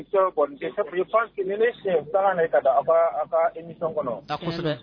Sigilen tan ka a i ni nisɔn kɔnɔ